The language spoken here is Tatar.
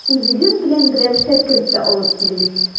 Үзегез белән берәр шәкерт тә алып килегез.